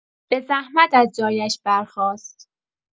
به زحمت از جایش برخاست.